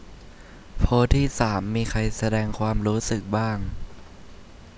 โพสต์ที่สามมีใครแสดงความรู้สึกบ้าง